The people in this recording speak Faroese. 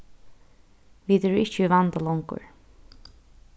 vit eru ikki í vanda longur